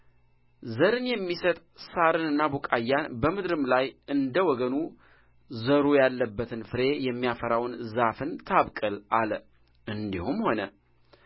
ዘርን የሚሰጥ ሣርንና ቡቃያን በምድርም ላይ እንደ ወገኑ ዘሩ ያለበትን ፍሬን የሚያፈራ ዛፍን ታብቅል አለ እንዲሁም ሆነ